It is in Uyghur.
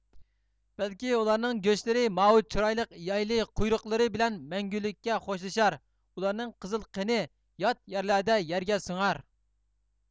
بەلكى ئۇلارنىڭ گۆشلىرى ماۋۇ چىرايلىق يايلى قۇيرۇقلىرى بىلەن مەڭگۈلۈككە خوشلىشار ئۇلارنىڭ قىزىل قېنى يات يەرلەردە يەرگە سىڭەر